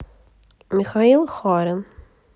михаил харин